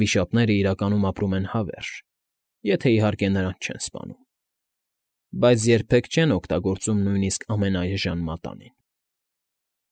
Վիշապները իրականում ապրում են հավերք, եթե, իհարկե, նրանց չեն սպանում), բայց երբեք չեն օգտագործում նույնիսկ ամենաէժան մատանին։